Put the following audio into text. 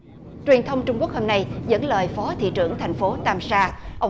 truyền thông trung quốc hôm nay dẫn lời phó thị trưởng thành phố tam sa ông